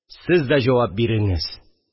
Сез дә җавап биреңез